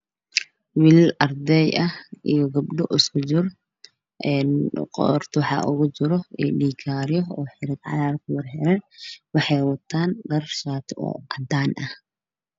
Wiilal arday ah iyo gabdho isku jiraan oo wataal shaafici caddaan kuraas ku fadhiyaan qoorta wax ugu jiraan